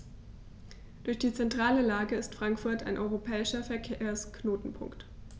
Durch die zentrale Lage ist Frankfurt ein europäischer Verkehrsknotenpunkt.